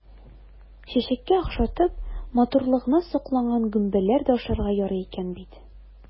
Чәчәккә охшатып, матурлыгына сокланган гөмбәләр дә ашарга ярый икән бит!